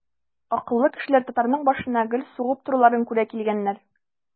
Акыллы кешеләр татарның башына гел сугып торуларын күрә килгәннәр.